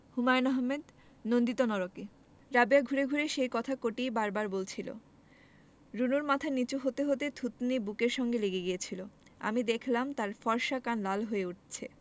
হুমায়ুন আহমেদ নন্দিত নরকে রাবেয়া ঘুরে ঘুরে সেই কথা কটিই বার বার বলছিলো রুনুর মাথা নীচু হতে হতে থুতনি বুকের সঙ্গে লেগে গিয়েছিলো আমি দেখলাম তার ফর্সা কান লাল হয়ে উঠছে